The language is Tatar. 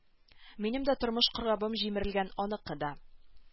Минем дә тормыш корабым җимерелгән аныкы да